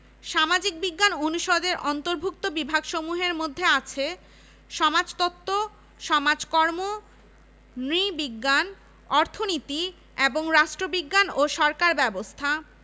information টেকনোলজিতে এক বছর মেয়াদি পোস্ট গ্রাজুয়েট ডিপ্লোমা ডিগ্রি অর্জনের সুযোগ রয়েছে এছাড়া রয়েছে পেশাগত প্রফেশনাল ডিপ্লোমা অর্জনের সুযোগ